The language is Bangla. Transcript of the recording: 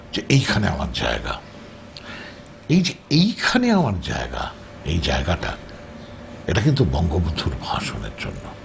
যে এইখানে আমার জায়গা এই যে এইখানে আমার জায়গা এই জায়গাটা এটা কিন্তু বঙ্গবন্ধুর ভাষণের জন্য